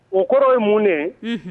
O kɔrɔ ye mun de ye